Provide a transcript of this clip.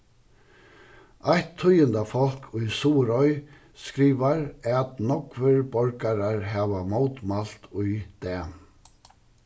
eitt tíðindafólk í suðuroy skrivar at nógvir borgarar hava mótmælt í dag